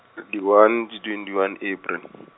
di- one, di- twenty one, April.